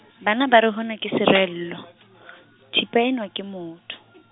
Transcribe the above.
bana ba re hona ke sereello, thipa ena ke motho .